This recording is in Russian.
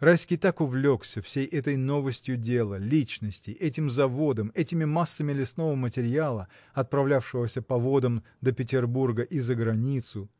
Райский так увлекся всей этой новостью дела, личностей, этим заводом, этими массами лесного материала, отправлявшегося по водам до Петербурга и за границу,